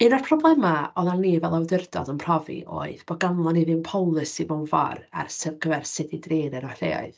Un o'r problemau oeddan ni fel awdurdod yn profi oedd bod ganddon ni ddim polisi mewn ffordd ar s-... ar gyfer sut i drin enwau lleoedd.